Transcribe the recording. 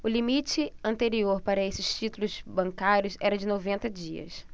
o limite anterior para estes títulos bancários era de noventa dias